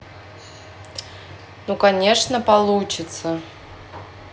ну конечно получится